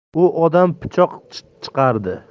u odam pichoq chikardi